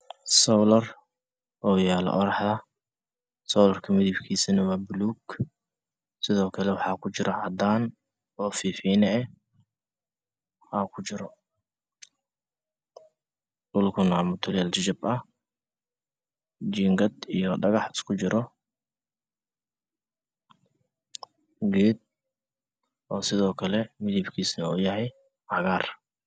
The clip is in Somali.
Soolar oo yaalo qoraxdo